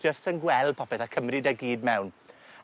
jyst yn gweld popeth a cymryd e gyd mewn.